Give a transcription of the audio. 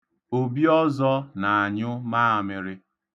Obiọzọ na-anyụ maamịrị.